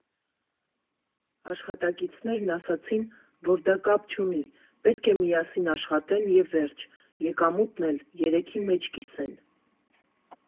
Աշխատակիցներն ասացին, որ դա կապ չունի, պետք է միասին աշխատեն և վերջ, եկամուտն էլ երեքի մեջ կիսեն։